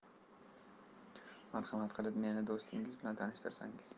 marhamat qilib meni d'stingiz bilan tanishtirsangiz